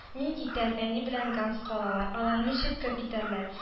Мин китәм, әни белән Ганс калалар. Алар ничек көн итәрләр